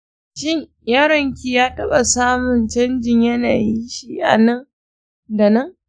shin yaron ki ya taɓa samun canjin yanayinshi nan da nan?